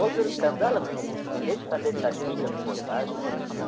ober kandalovni hech qanday tashvishga qo'ymas